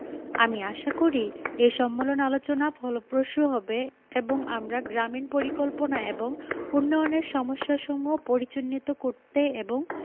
আমি আশা করি এ সম্মেলনে আলোচনা ফলপ্রসূ হবে এবং আমরা গ্রামীন পরিকল্পনা এবং উন্নয়নের সমস্যাসমূহ পরিচিহ্নিত করতে এবং